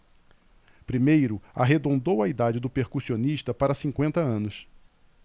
primeiro arredondou a idade do percussionista para cinquenta anos